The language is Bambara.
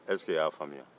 ɛseke i y'a faamuya